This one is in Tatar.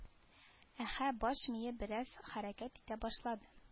Әһә баш мие бераз хәрәкәт итә башлады